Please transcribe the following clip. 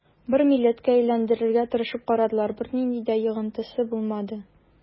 Бер милләткә әйләндерергә тырышып карадылар, бернинди дә йогынтысы булмады.